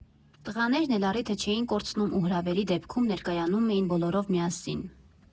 Տղաներն էլ առիթը չէին կորցնում ու հրավերի դեպքում ներկայանում էին բոլորով միասին.